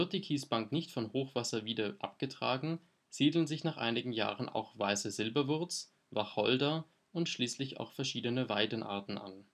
die Kiesbank nicht von Hochwasser wieder abgetragen, siedeln sich nach einigen Jahren auch Weiße Silberwurz, Wacholder und schließlich auch verschiedene Weidenarten an